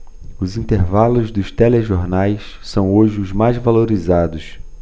os intervalos dos telejornais são hoje os mais valorizados